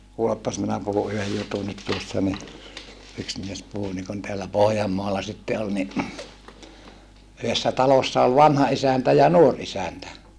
kuulepas minä puhun yhden jutunkin tuossa niin yksi mies puhui niin kuin täällä Pohjanmaalla sitten oli niin yhdessä talossa oli vanha isäntä ja nuori isäntä